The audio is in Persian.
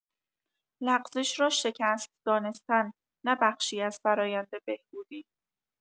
لغزش را شکست دانستن، نه بخشی از فرایند بهبودی